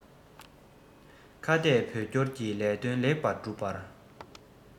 ཁ གཏད བོད སྐྱོར གྱི ལས དོན ལེགས པར སྒྲུབ པར